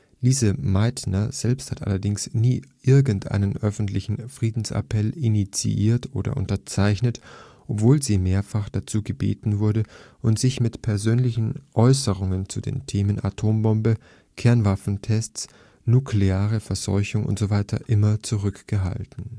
Lise Meitner selbst hat allerdings nie irgendeinen öffentlichen Friedensappell initiiert oder unterzeichnet, obwohl sie mehrfach dazu gebeten wurde, und sich mit persönlichen Äußerungen zu den Themen ' Atombombe, Kernwaffentests, nukleare Verseuchung usw. ' immer zurückgehalten